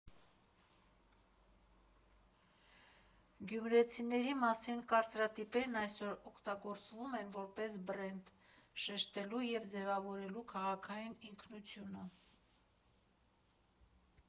Գյումրեցիների մասին կարծրատիպերն այսօր օգտագործվում են որպես բրենդ՝ շեշտելու և ձևավորելու քաղաքային ինքնությունը։